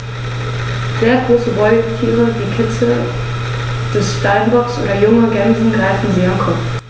Sehr große Beutetiere wie Kitze des Steinbocks oder junge Gämsen greifen sie am Kopf.